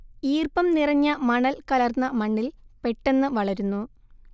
ഈർപ്പം നിറഞ്ഞ മണൽ കലർന്ന മണ്ണിൽ പെട്ടെന്ന് വളരുന്നു